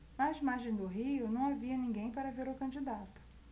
nas margens do rio não havia ninguém para ver o candidato